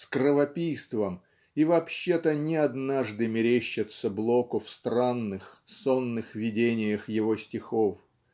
с кровопийством и вообще-то не однажды мерещатся Блоку в странных сонных видениях его стихов.